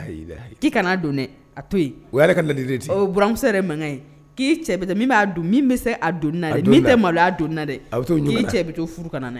laa ilaah ila laahe k'i kana don dɛ , a to yen, o y'ale ka ladilikan ye, o ye buranmuso yɛrɛ mankan ye k'i cɛ min b'a don min bɛ se a donni tɛ, min tɛ malo a donni na dɛ, a bɛ t'o ɲun kana, k'i cɛ bɛ to furu kana na dɛ.